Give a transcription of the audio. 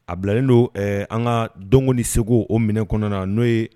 A bilalen don ɛɛ an ka dɔnko ni seko minɛn kɔnɔna na no ye